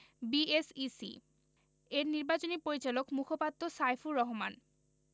BSEC এর নির্বাহী পরিচালক ও মুখপাত্র সাইফুর রহমান